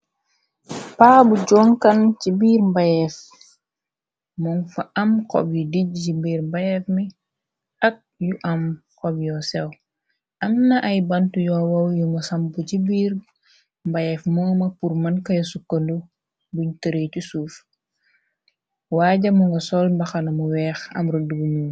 Paa bu jonkan ci biir mbayeef, mung fa am xob yi dij ci biir mbayeef mi, ak yu am xob yoo sew, amna ay bant yoowow yumu sam bu ci biir mbayeef mooma pur mën kaya sukkandu buñ tëree cu suuf, waaja mu nga sol mbaxanamu weex am roddbunu